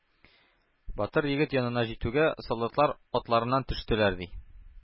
Батыр егет янына җитүгә, солдатлар атларыннан төштеләр, ди,